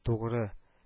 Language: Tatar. Тугры